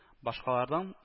Башкалардан